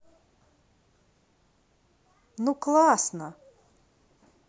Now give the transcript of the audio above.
ну классно